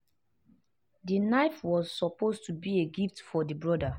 The knife was supposed to be a gift for the brother.